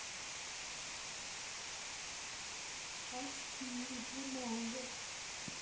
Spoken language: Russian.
а четыре бумага